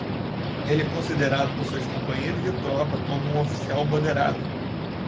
ele é considerado por seus companheiros de tropa como um oficial moderado